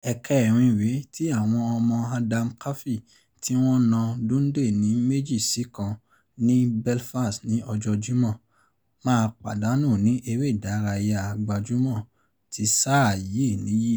Ẹ̀kẹ́rin rèé tí àwọn ọmọ Adam Kefee, tí wọ́n na Dundee ní 2 sí 1 ní Belfast ní ọjọ́ Jímọ̀, máa pàdánù ní Eré-ìdárayá Gbajúmọ̀ ti sáà yí nìyí.